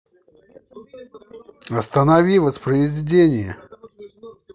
останови воспроизведение